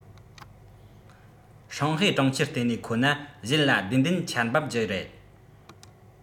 ཧྲང ཧའེ གྲོང ཁྱེར ལྟེ གནས ཁོ ན གཞན ལ འདེད འདེད ཆར འབབ རྒྱུ རེད